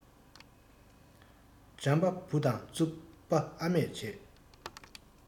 འཇམ པ བུ དང རྩུབ པ ཨ མས བྱེད